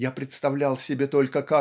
Я представлял себе только